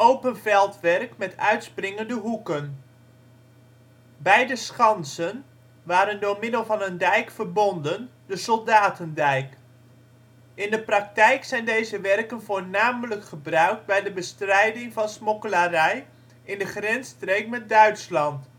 open veldwerk met uitspringende hoeken). Beide schansen waren door middel van een dijk verbonden (de Soldatendijk). In de praktijk zijn deze werken voornamelijk gebruikt bij de bestrijding van smokkelarij in de grensstreek met Duitsland